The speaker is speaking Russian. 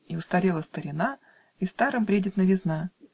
И устарела старина, И старым бредит новизна.